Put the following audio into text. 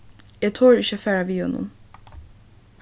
eg tori ikki at fara við honum